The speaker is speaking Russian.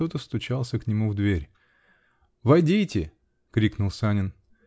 кто-то стучался к нему в дверь. -- Войдите! -- крикнул Санин.